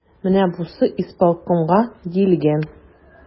Менә бусы исполкомга диелгән.